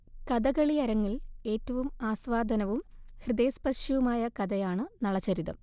കഥകളിയരങ്ങിൽ ഏറ്റവും ആസ്വാദനവും ഹൃദയസ്പർശിയുമായ കഥയാണ് നളചരിതം